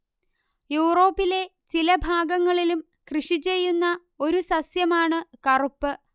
യൂറോപ്പിലെ ചില ഭാഗങ്ങളിലും കൃഷി ചെയ്യുന്ന ഒരു സസ്യമാണ് കറുപ്പ്